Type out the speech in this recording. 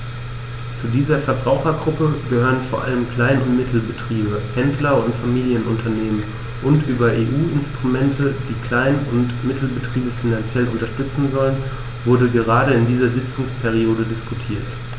Zu dieser Verbrauchergruppe gehören vor allem Klein- und Mittelbetriebe, Händler und Familienunternehmen, und über EU-Instrumente, die Klein- und Mittelbetriebe finanziell unterstützen sollen, wurde gerade in dieser Sitzungsperiode diskutiert.